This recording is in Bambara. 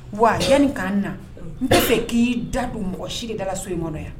Wa yani kan na n ta fɛ i ki da don mɔgɔ si de da so in kɔnɔ yan.